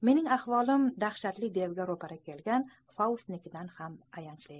mening ahvolim dahshatli devga ro'para kelgan faustnikidan ham ayanchli